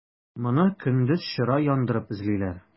Моны көндез чыра яндырып эзлиләр.